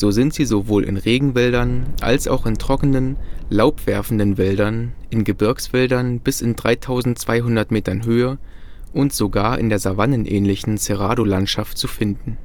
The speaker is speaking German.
sind sie sowohl in Regenwäldern als auch in trocken, laubwerfenden Wäldern, in Gebirgswäldern bis in 3200 Metern Höhe und sogar in der savannenähnlichen Cerrado-Landschaft zu finden